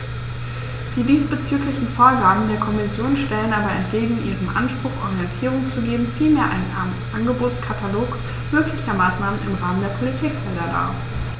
Die diesbezüglichen Vorgaben der Kommission stellen aber entgegen ihrem Anspruch, Orientierung zu geben, vielmehr einen Angebotskatalog möglicher Maßnahmen im Rahmen der Politikfelder dar.